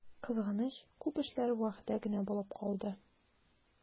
Кызганыч, күп эшләр вәгъдә генә булып калды.